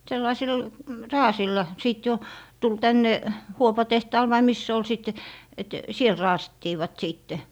sellaisilla raaseilla sitten jo tuli tänne huopatehtaalle vai missä se oli sitten että siellä raasittivat sitten